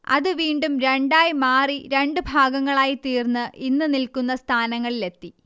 അത് വീണ്ടും രണ്ടായി മാറി രണ്ട് ഭാഗങ്ങളായി തീർന്ന് ഇന്ന് നിൽക്കുന്ന സ്ഥാനങ്ങളിലെത്തി